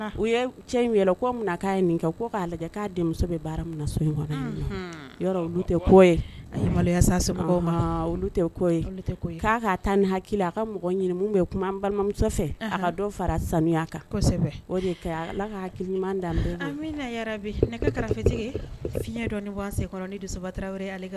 Tɛ malo tɛa taa ni hakili a ka mɔgɔ bɛ kuma balimamuso fɛ fara sanuya kan o de hakiliki ɲumanfe dɔnse saba